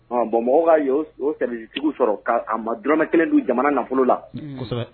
Bɔn mɔgɔw ka o kɛlɛtigiw sɔrɔ k'a a ma durama kelen don jamana nafolo la